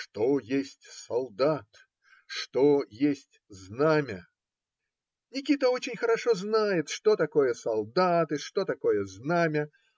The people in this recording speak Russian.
"Что есть солдат?", "Что есть знамя?" Никита очень хорошо знает, что такое солдат и что такое знамя